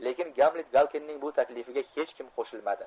lekin gamlet galkinning bu taklifiga hech kim qo'shilmadi